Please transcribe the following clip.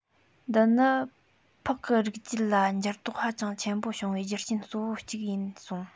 འདི ནི ཕག གི རིགས རྒྱུད ལ འགྱུར ལྡོག ཧ ཅང ཆེན པོ བྱུང བའི རྒྱུ རྐྱེན གཙོ བོ གཅིག ཡིན གསུངས